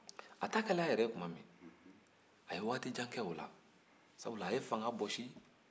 a ta kɛlen a yɛrɛ ye tuma min